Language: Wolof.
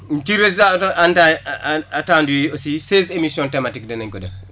ci résultats atte attendus yi aussi seize émissions thématiques danañ ko def